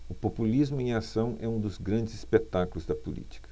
o populismo em ação é um dos grandes espetáculos da política